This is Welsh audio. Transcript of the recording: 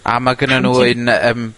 ...a ma' gynnon nw un yym